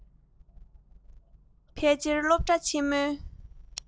ཕལ ཆེར སློབ གྲྭ ཆེན མོའི